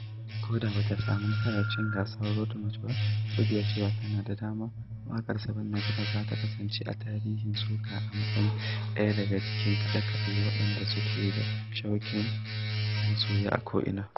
Ko da ba ta samu nasarar cin gasar Road March ba (duk da cewa tana da dama!), waƙar "Saɓannah Grass" za ta kasance a tarihin kiɗan soca a matsayin ɗaya daga cikin kaɗe-kaɗe waɗanda suke sa shauƙin masoya a ko'ina.